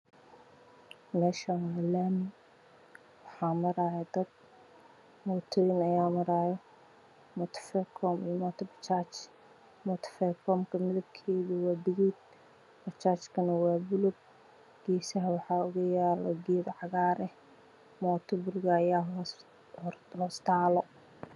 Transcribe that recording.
Meeshaan waa laami waxaa maraayo dad iyo mootooyin oo ah mooto faykoon iyo mooto bajaaj. faykoontu waa gaduud bajaaj kuna waa buluug. Geesaha waxaa kuyaalo geed cagaar ah. Mooto buluug ah ayaa hoostaalo.